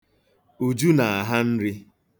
Uju na-aha nri.